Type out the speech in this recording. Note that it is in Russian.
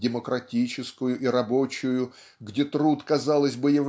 демократическую и рабочую где ТРУД казалось бы